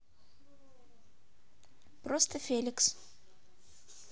просто феликс